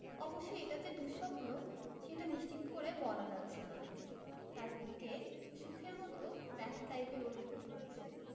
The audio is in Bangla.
অবশ্য এটা যে দুঃস্বপ্ন সেটা নিশ্চিত করে বলা যাচ্ছে না তাঁর বুকে সুখের মতো ব্যথা টাইপের অনুভূতি হচ্ছে